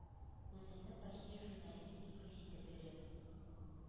Үземне ”почти журналист“ дип хис итеп йөрим.